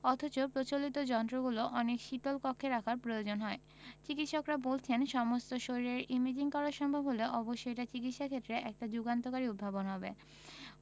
অথচ প্রচলিত যন্ত্রগুলো অনেক শীতল কক্ষে রাখার প্রয়োজন হয় চিকিত্সকরা বলছেন সমস্ত শরীরের ইমেজিং করা সম্ভব হলে অবশ্যই এটা চিকিত্সাক্ষেত্রে একটি যুগান্তকারী উদ্ভাবন হবে